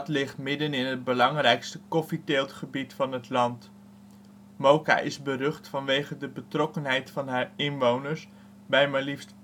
ligt midden in het belangrijkste koffieteeltgebied van het land. Moca is berucht vanwege de betrokkenheid van haar inwoners bij maar liefst